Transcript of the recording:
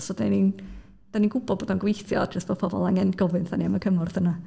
So dan ni'n... dan ni'n gwybod bod o'n gweithio, jyst bod pobl angen gofyn wrthon ni am y cymorth yna.